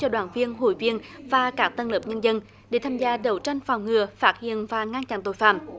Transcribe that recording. cho đoàn viên hội viên và các tầng lớp nhân dân để tham gia đấu tranh phòng ngừa phát hiện và ngăn chặn tội phạm